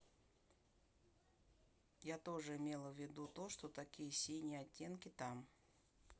я тоже имела ввиду то что такие синие оттенки там